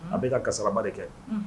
A bɛ ka gasarama de kɛ